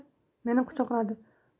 meni quchoqladi